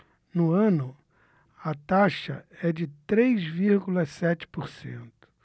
no ano a taxa é de três vírgula sete por cento